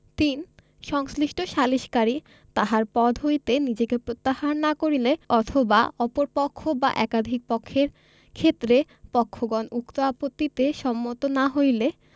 ৩ সংশ্লিষ্ট সালিসকারী তাহার পদ হইতে নিজেকে প্রত্যাহার না করিলে অথবা অপর পক্ষ বা একাধিক পক্ষের কেষত্রে পক্ষগণ উক্ত আপত্তিতে সম্মত না হইরে